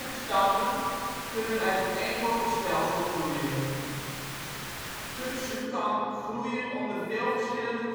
stammen kunnen uit één wortelstelsel groeien. Kudzu kan groeien onder veel verschillende